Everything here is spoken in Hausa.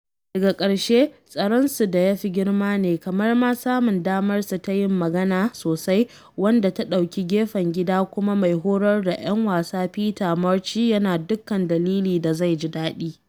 Daga ƙarshe, tsaronsu da ya fi girma ne, kamar ma samun damarsu ta yin magana sosai, wanda ta ɗauki gefen gidan kuma mai horar da ‘yan wasa Peter Murchie yana dukkan dalili da zai ji daɗi.